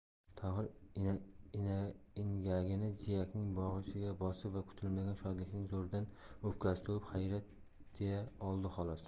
tohir engagini jiyakning bog'ichiga bosib va kutilmagan shodlikning zo'ridan o'pkasi to'lib xayriyat deya oldi xolos